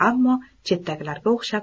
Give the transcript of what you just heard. ammo chetdagilarga o'xshab